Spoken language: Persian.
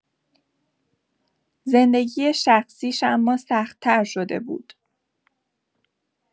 زندگی شخصیش اما سخت‌تر شده بود.